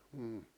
mm